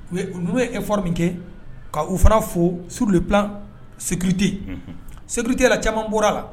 U ye ninnu ye effort min kɛ ka u fana fo sur le plan sécurité , unhun, sécurité la caman bɔr'a la